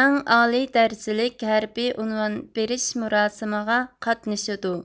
ئەڭ ئالىي دەرىجىلىك ھەربىي ئۇنۋان بېرىش مۇراسىمىغا قاتنىشىدۇ